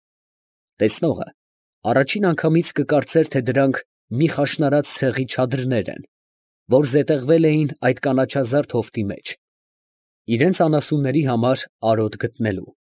Տեսնողը առաջին անգամից կկարծեր, թե դրանք մի խաշնարած ցեղի չադրներ են, որ զետեղվել էին այդ կանաչազարդ հովտի մեջ, իրանց անասունների համար արոտ գտնելու։